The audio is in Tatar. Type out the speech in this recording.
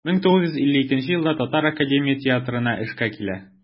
1952 елда татар академия театрына эшкә килә.